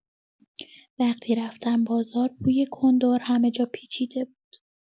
وقتی رفتم بازار، بوی کندر همه جا پیچیده بود.